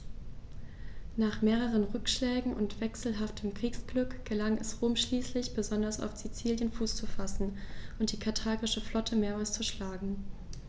Nach mehreren Rückschlägen und wechselhaftem Kriegsglück gelang es Rom schließlich, besonders auf Sizilien Fuß zu fassen und die karthagische Flotte mehrmals zu schlagen.